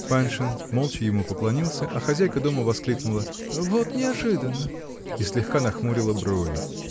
Паншин молча ему поклонился, а хозяйка дома воскликнула: "Вот неожиданно!" -- и слегка нахмурила брови.